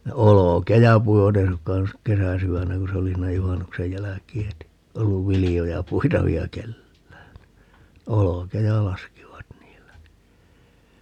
ne olkia puivat ei suinkaan nyt kesäsydännä kun se oli siinä juhannuksen jälkeen heti ollut viljoja puitavia kenelläkään niin olkia laskivat niillä niin